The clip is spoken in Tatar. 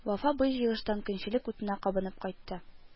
Вафа бу җыелыштан көнчелек утына кабынып кайтты